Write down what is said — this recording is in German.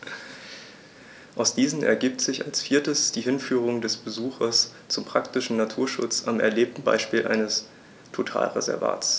Aus diesen ergibt sich als viertes die Hinführung des Besuchers zum praktischen Naturschutz am erlebten Beispiel eines Totalreservats.